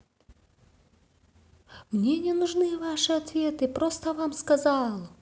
мне не нужны ваши ответы просто вам сказал